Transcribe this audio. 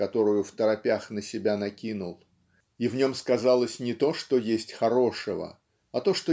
которую второпях на себя накинул. И в нем сказалось не то что есть хорошего а то